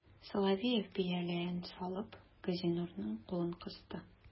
Соловеев, бияләен салып, Газинурның кулын кысты.